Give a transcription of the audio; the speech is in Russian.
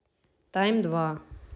тайм два